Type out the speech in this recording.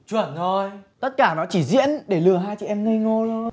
chuẩn rồi tất cả nó chỉ diễn để lừa hai chị em ngây ngô thôi